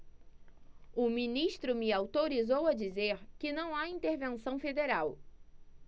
o ministro me autorizou a dizer que não há intervenção federal